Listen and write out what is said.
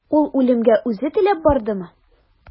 Ул үлемгә үзе теләп бардымы?